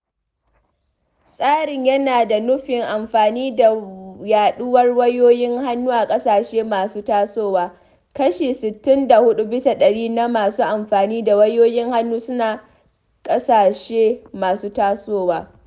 Tsarin yana da nufin amfani da yaɗuwar wayoyin hannu a ƙasashe masu tasowa – kashi 64% na masu amfani da wayoyin hannu suna ƙasashen masu tasowa.